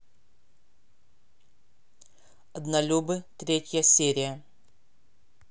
однолюбы третья серия